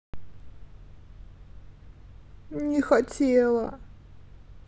не хотела